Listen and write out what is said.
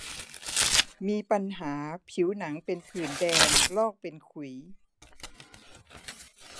มีปัญหาผิวหนังเป็นผื่นแดงลอกเป็นขุย